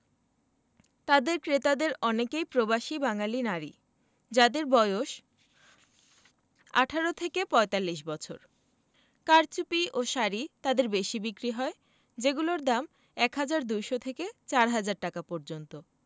তাঁদের ক্রেতাদের অনেকেই প্রবাসী বাঙালি নারী যাঁদের বয়স ১৮ থেকে ৪৫ বছর কারচুপি ও শাড়ি তাঁদের বেশি বিক্রি হয় যেগুলোর দাম ১ হাজার ২০০ থেকে ৪ হাজার টাকা পর্যন্ত